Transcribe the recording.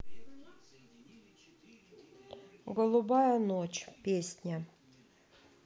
голубая ночь песня